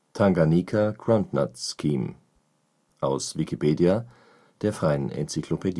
Tanganyika Groundnut Scheme, aus Wikipedia, der freien Enzyklopädie